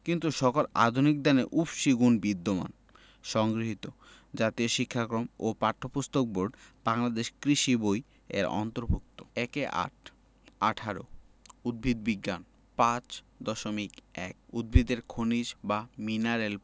কিন্তু সকল আধুনিক ধানে উফশী গুণ বিদ্যমান সংগৃহীত জাতীয় শিক্ষাক্রম ও পাঠ্যপুস্তক বোর্ড বাংলাদেশ কৃষি শিক্ষা বই এর অন্তর্ভুক্ত ১৮ উদ্ভিদ বিজ্ঞান ৫.১ উদ্ভিদের খনিজ বা মিনারেল